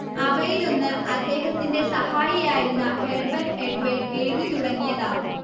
അവയിലൊന്ന് അദ്ദേഹത്തിന്റെ സഹായിയായിരുന്ന ഹെർബെർട്ട് എഡ്വേഡ് എഴുതിത്തുടങ്ങിയതാണ്